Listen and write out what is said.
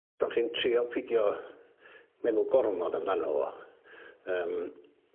'Dach chi'n trio pidio meddwl gormod amdano fo yym